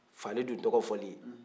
fagali dun tɔgɔ fɔli